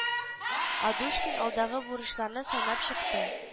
Адушкин алдагы бурычларны санап чыкты